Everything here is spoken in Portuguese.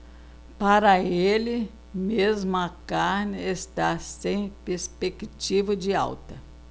para ele mesmo a carne está sem perspectiva de alta